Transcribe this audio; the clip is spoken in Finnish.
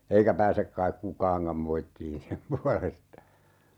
eikä pääse kai kukaankaan moittimaan sen puolesta